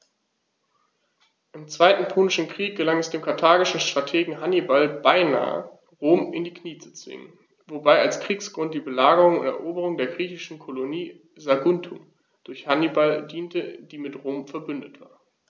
Im Zweiten Punischen Krieg gelang es dem karthagischen Strategen Hannibal beinahe, Rom in die Knie zu zwingen, wobei als Kriegsgrund die Belagerung und Eroberung der griechischen Kolonie Saguntum durch Hannibal diente, die mit Rom „verbündet“ war.